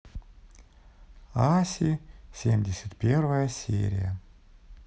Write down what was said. аси семьдесят первая серия